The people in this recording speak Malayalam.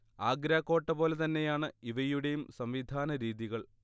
ആഗ്രാകോട്ടപോലെ തന്നെയാണ് ഇവയുടെയും സംവിധാനരീതികൾ